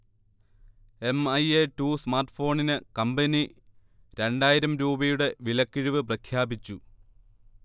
M. I. A two സ്മാർട്ഫോണിന് company രണ്ടായിരം രൂപയുടെ വിലക്കിഴിവ് പ്രഖ്യാപിച്ചു